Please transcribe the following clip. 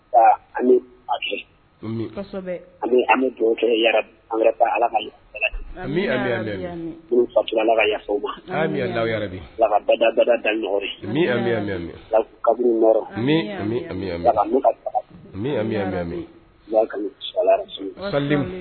An ala fatura kada da